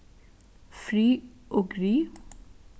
frið og grið